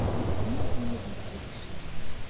Шулай көне буе интегеп эшли идек.